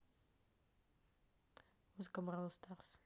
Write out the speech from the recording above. музыка бравл старс